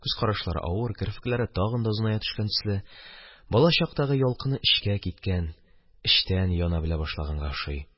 Күз карашлары авыр, керфекләре тагын да озыная төшкән төсле, балачактагы ялкыны эчкә киткән, эчтән яна белә башлаганга охшый.